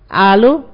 Aa